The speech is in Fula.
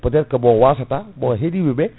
peut être que bon wassata bon heɗiɓeɓe